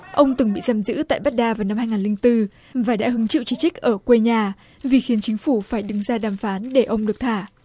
ông từng bị giam giữ tại bát đa vào năm hai nghìn linh tư và đã hứng chịu chỉ trích ở quê nhà vì khiến chính phủ phải đứng ra đàm phán để ông được thả